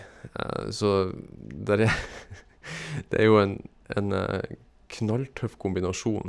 Så der e det er jo en en knalltøff kombinasjon.